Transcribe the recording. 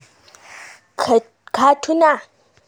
Ka tuna?